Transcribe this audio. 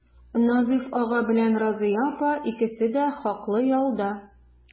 Назыйф ага белән Разыя апа икесе дә хаклы ялда.